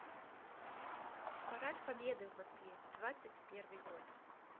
парад победы в москве двадцать первый год